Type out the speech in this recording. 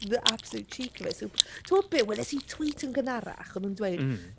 The absolute cheek of it. So b- Tibod be? Welais i tweet yn gynharach oedd yn dweud... mm.